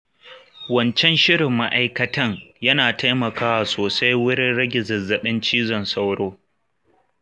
wancan shirin ma'aikatan yana taimakawa sosai wurin rage zazzaɓin cizon sauro.